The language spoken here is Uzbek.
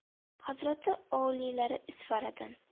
hazrati oliylari isfaradan